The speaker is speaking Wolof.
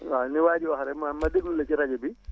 waaw li waa ji wax rek ma ma déglu la ci rajo bi